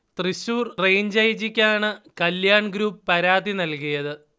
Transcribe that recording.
Thrissur range ഐ. ജിക്കാണ് Kalyan group പരാതി നൽകിയത്